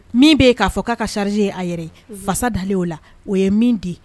Min bɛ yen k'a fɔ k'a ka charge ye a yɛrɛ ye, fasa dalen o la, o ye min di